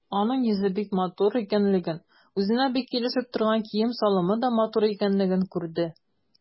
Аның йөзе бик матур икәнлеген, үзенә бик килешеп торган кием-салымы да матур икәнлеген күрде.